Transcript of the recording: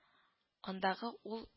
Андагы ул